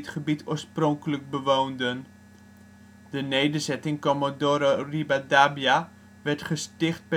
gebied oorspronkelijk bewoonden. De nederzetting Comodoro Rivadavia werd gesticht